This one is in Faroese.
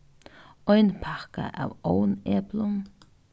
ein pakka av ovneplum